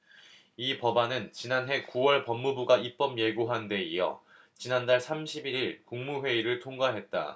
이 법안은 지난해 구 월 법무부가 입법예고한데 이어 지난달 삼십 일 일 국무회의를 통과했다